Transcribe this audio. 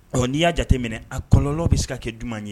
Ɔ n'i y'a jate minɛ a kɔlɔlɔ be se ka kɛ juman ye